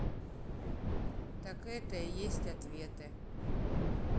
так это и есть ответы